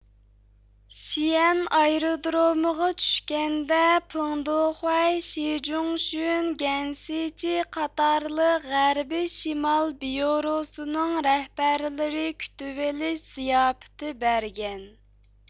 شىئەن ئايرودرومىغا چۈشكەندە پېڭ دېخۇەي شى جۇڭشۈن گەنسىچى قاتارلىق غەربىي شىمال بيۇروسىنىڭ رەھبەرلىرى كۈتۈۋېلىش زىياپىتى بەرگەن